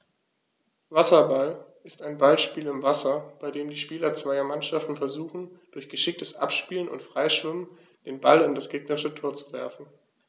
Wasserball ist ein Ballspiel im Wasser, bei dem die Spieler zweier Mannschaften versuchen, durch geschicktes Abspielen und Freischwimmen den Ball in das gegnerische Tor zu werfen.